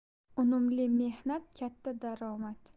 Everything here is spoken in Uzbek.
unumli mehnat katta daromad